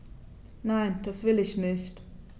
Nein, das will ich nicht.